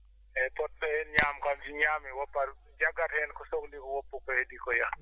eyi poɗɗo heen ñaam kam so ñaami woppat jaggat heen ko sohli koo woppa ko heddii koo yaha